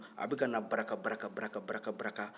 a bɛ ka na baraka baraka baraka baraka